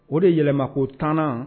O de yɛlɛma ko tannan